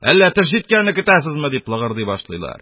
Әллә төш җиткәнен көтә сезме? - дип лыгырдый башлыйлар.